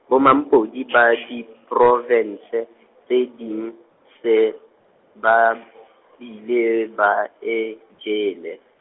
bo mampodi ba diprovinse tse ding, se, ba , bile, ba e, jele.